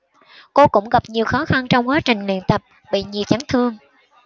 cô cũng gặp nhiều khó khăn trong quá trình luyện tập bị nhiều chấn thương